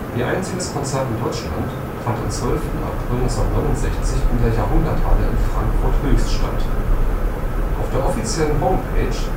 Ihr einziges Konzert in Deutschland fand am 12. April 1969 in der Jahrhunderthalle in Frankfurt-Höchst statt. Auf der offiziellen Homepage